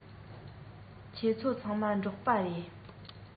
ཁྱེད ཚོ ཚང མ འབྲོག པ རེད